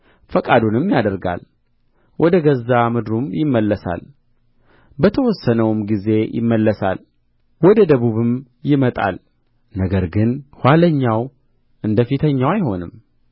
ፈቃዱንም ያደርጋል ወደ ገዛ ምድሩም ይመለሳል በተወሰነውም ጊዜ ይመለሳል ወደ ደቡብም ይመጣል ነገር ግን ኋለኛው እንደ ፊተኛው አይሆንም